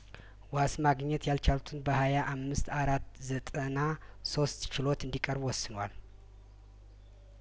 ዋስ ማግኘት ያልቻሉትን በሀያ አምስት አራት ዘጠና ሶስት ችሎት እንዲ ቀርቡ ወስኗል